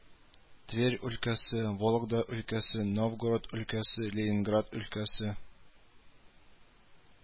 Тверь өлкәсе, Вологда өлкәсе, Новгород өлкәсе, Ленинград өлкәсе